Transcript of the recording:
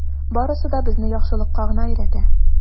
Барысы да безне яхшылыкка гына өйрәтә.